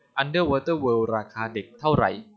อันเดอร์วอเตอร์เวิล์ดราคาเด็กเท่าไหร่